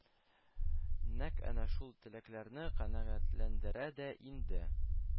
Нәкъ әнә шул теләкләрне канәгатьләндерә дә инде